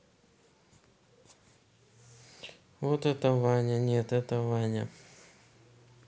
вот это ваня нет это ваня